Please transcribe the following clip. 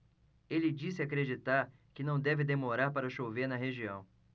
ele disse acreditar que não deve demorar para chover na região